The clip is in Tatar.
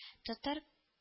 Татар